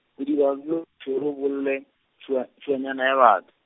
bodiba bjo šoro bo lle, tšhua-, tšhuanyana ya batho.